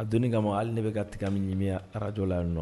A dɔnni kama ma ale ne bɛka ka tigɛ minɲmi araj la nɔ